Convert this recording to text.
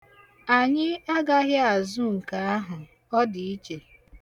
Anyị agaghị azụ nke ahụ, ọ dị iche.